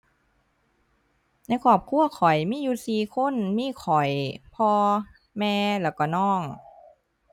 ในครอบครัวข้อยมีอยู่สี่คน มีข้อย พ่อ แม่ แล้วก็น้อง